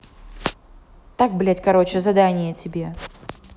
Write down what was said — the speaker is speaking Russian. так блядь короче задание тебе